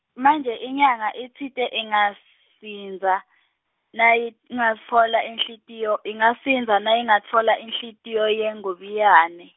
manje inyanga itsite ingasindza, nayingatfola inhlitiyo, ingasindza nayingatfola inhlitiyo yengobiyane.